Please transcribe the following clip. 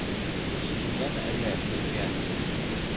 Җиңүгәме әллә үлемгә?